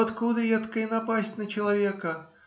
- откуда этакая напасть на человека?